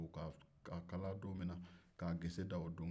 k'a kalan don min na k'a gese da o don